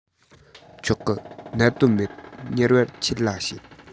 ཆོག གི གནད དོན མེད མྱུར བར ཁྱོད ལ བཤད